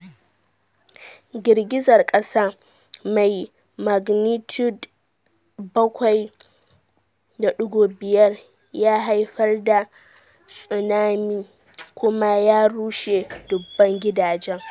Girgizar kasa mai magnitude 7.5 ya haifar da tsunami kuma ya rushe dubban gidajen.